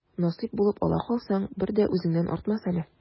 Насыйп булып ала калсаң, бер дә үзеңнән артмас әле.